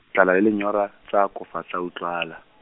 tlala le lenyora, tsa akofa tsa utlwala.